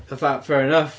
fatha, fair enough.